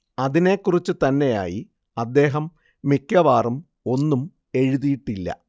അതിനെക്കുറിച്ച് തന്നെയായി അദ്ദേഹം മിക്കവാറും ഒന്നും എഴുതിയിട്ടില്ല